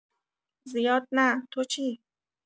زیاد نه. تو چی؟